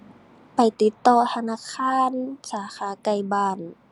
ไปติดต่อธนาคาร สาขาใกล้บ้าน